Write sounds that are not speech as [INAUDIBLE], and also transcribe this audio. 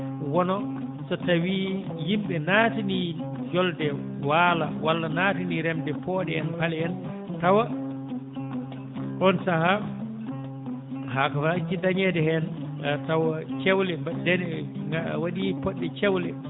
wano so tawii yimɓe naatanii jolde e waala walla naatanii remde pooɗe en pale en tawa on sahaa haako waawete dañeede heen taw cewle mbaɗ [HESITATION] ndene a waɗii poɗɗe cewle